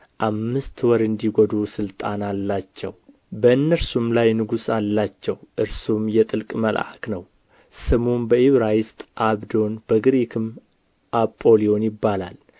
አምስት ወር እንዲጐዱ ሥልጣን አላቸው በእነርሱም ላይ ንጉሥ አላቸው እርሱም የጥልቅ መልአክ ነው ስሙም በዕብራይስጥ አብዶን በግሪክም አጶልዮን ይባላል